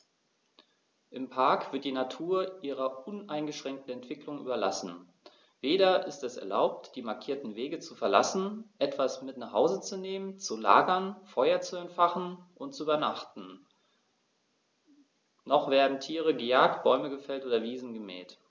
Im Park wird die Natur ihrer uneingeschränkten Entwicklung überlassen; weder ist es erlaubt, die markierten Wege zu verlassen, etwas mit nach Hause zu nehmen, zu lagern, Feuer zu entfachen und zu übernachten, noch werden Tiere gejagt, Bäume gefällt oder Wiesen gemäht.